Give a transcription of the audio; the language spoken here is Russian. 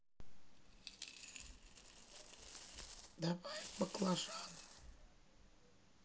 добавь баклажан